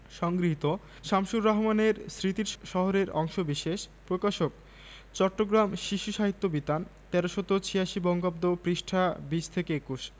বাদলশেষের ঈন্দ্রধনুটি বললেই হয় তার বড় বড় দুটি চোখ আজ অচঞ্চল তমালের ডালে বৃষ্টির দিনে ডানা ভেজা পাখির মত কিছুদিন আগে রৌদ্রের শাসন ছিল প্রখর দিগন্তের মুখ বিবর্ণ